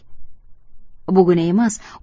bugina emas